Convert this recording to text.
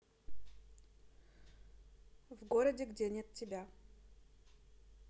в городе где нет тебя